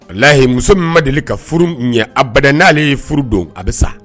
A lahi muso min ma deli ka furu ɲɛ abad n'ale ye furu don a bɛ sa